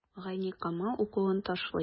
Гайникамал укуын ташлый.